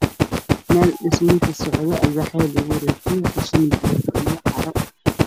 Meeshaan waa meel bannaan waa guri dhismo ka socda waxaa ii muuqda birooyin dhulka ka taagan